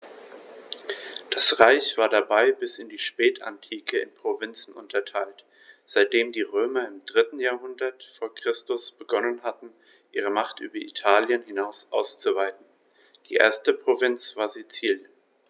Das Reich war dabei bis in die Spätantike in Provinzen unterteilt, seitdem die Römer im 3. Jahrhundert vor Christus begonnen hatten, ihre Macht über Italien hinaus auszuweiten (die erste Provinz war Sizilien).